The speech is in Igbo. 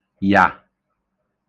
yà